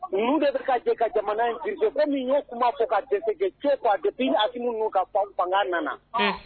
Ninnu de bɛ ka jɛ ka jamana in diriger comme n y'o kuma fo ka dɛsɛ co depuis Asimi ninnu fanga nana, unhun